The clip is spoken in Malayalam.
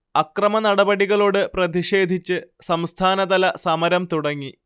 അക്രമനടപടികളോട് പ്രതിഷേധിച്ച് സംസ്ഥാനതല സമരം തുടങ്ങി